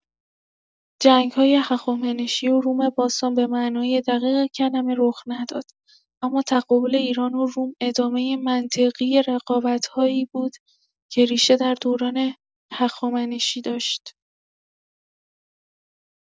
جنگ‌های هخامنشی و روم باستان به‌معنای دقیق کلمه رخ نداد، اما تقابل ایران و روم ادامه منطقی رقابت‌هایی بود که ریشه در دوران هخامنشی داشت.